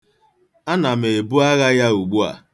Ana m ebu agha ya ugbu a.